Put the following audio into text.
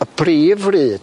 Y brif ryd